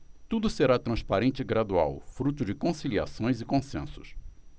tudo será transparente e gradual fruto de conciliações e consensos